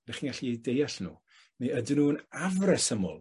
Dych chi'n gallu eu deall nw? Neu ydyn nw'n afresymol